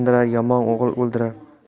yomon o'g'il o'ldirar